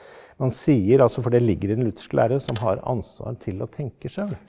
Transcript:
man sier altså for det ligger i den lutherske lære som har ansvar til å tenke sjøl.